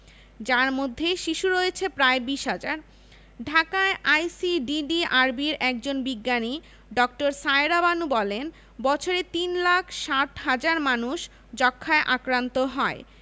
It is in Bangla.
যার মধ্যে শিশু রয়েছে প্রায় ২০ হাজার ঢাকায় আইসিডিডিআরবির একজন বিজ্ঞানী ড. সায়েরা বানু বলেন বছরে তিন লাখ ৬০ হাজার মানুষ যক্ষ্মায় আক্রান্ত হয়